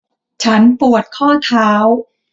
ฉันปวดข้อเท้า